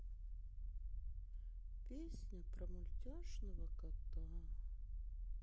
песня про мультяшного кота